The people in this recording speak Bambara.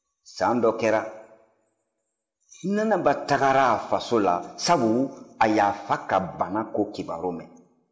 san dɔ kɛra nanaba tagar'a faso la sabu a y'a fa ka bana ko kibaru mɛn